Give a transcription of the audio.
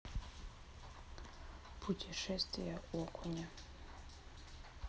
путешествие окуня